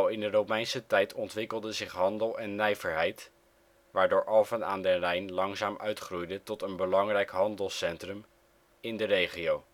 in de Romeinse tijd ontwikkelde zich handel en nijverheid, waardoor Alphen aan den Rijn langzaam uitgroeide tot een belangrijk handelscentrum in de regio